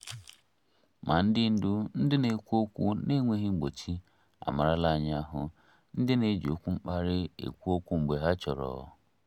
Ma ndị ndú ndị na-ekwu okwu n'enweghị mgbochi amaarala anyị ahụ, ndị na-eji okwu mkparị ekwu okwu mgbe ha chọrọ.